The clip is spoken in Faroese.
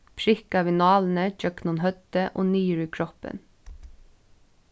prikka við nálini gjøgnum høvdið og niður í kroppin